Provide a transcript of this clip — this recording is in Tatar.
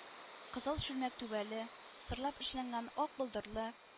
Кызыл чүлмәк түбәле, сырлап эшләнгән ак болдырлы